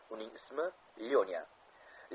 uning ismi lyonya